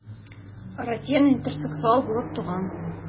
Ратьен интерсексуал булып туган.